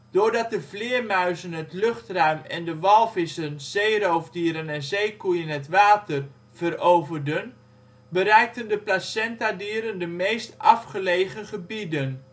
Doordat de vleermuizen het luchtruim en de walvissen, zeeroofdieren en zeekoeien het water veroverden bereikten de placentadieren de meest afgelegen gebieden